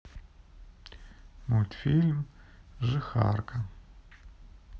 мультфильм жихарка